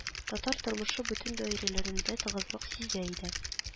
Татар тормышы бөтен даирәләрендә тыгызлык сизә иде